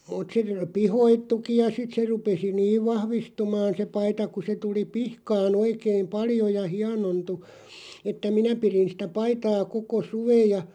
mutta se pihkoittukin ja sitten se rupesi niin vahvistumaan se paita kun se tuli pihkaan oikein paljon ja hienontui että minä pidin sitä paitaa koko suven ja